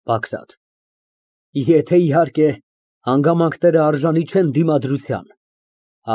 ԲԱԳՐԱՏ ֊ Եթե, իհարկե, հանգամանքներն արժանի չեն դիմադրության։